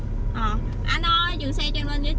ờ anh ơi dừng xe cho em lên ghế